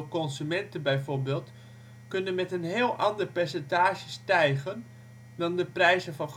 consumenten bijvoorbeeld kunnen met een heel ander percentage stijgen dan de prijzen van